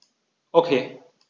Okay.